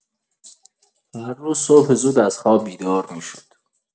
هر روز صبح زود از خواب بیدار می‌شد.